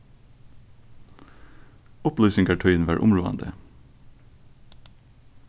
upplýsingartíðin var umráðandi